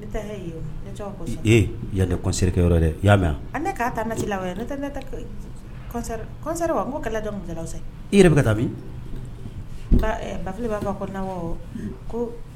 N taa yen o ne cɔ ko e yan tɛ concert kɛ yɔrɔ ye dɛ i y'a mɛ a a nee kaa taa na ci la ɔ yɛ nɔtɛ ne tɛ k concert concert wa ŋo kɛlɛ dɔ i yɛrɛ be ka taa min ka ɛ Bafili baa fɔ kɔ na wɔɔ koo